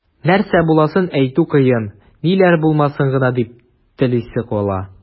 Нәрсә буласын әйтү кыен, ниләр булмасын гына дип телисе кала.